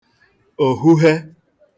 òhuhe